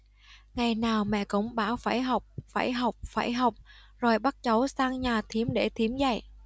ngày nào mẹ cũng bảo phải học phải học phải học rồi bắt cháu sang nhà thím để thím dạy